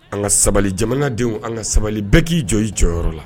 An ka sabali jamanadenw, an ka sabali bɛɛ k'i jɔ, i jɔyɔrɔ la.